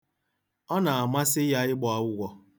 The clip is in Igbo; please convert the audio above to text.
Ọ na-amasị ya ịgba ụgwọ.